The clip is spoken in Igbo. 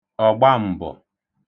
ọ̀gbam̀bọ̀